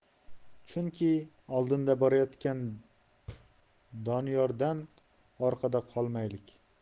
chunki oldinda borayotgan doniyordan orqada qolmaylik